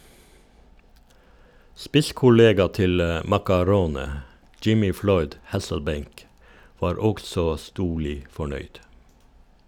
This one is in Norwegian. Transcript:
Spisskollega til Maccarone, Jimmy Floyd Hasselbaink var også storlig fornøyd.